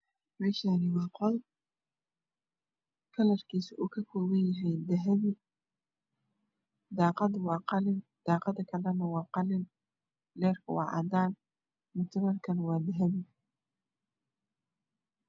Meshan waxa Qol karkisu uu ka kobanyahay Dahabi daqada wa Qalin daqada kalane wa Qalin lerku wa cadan mutulelkane wa dahabi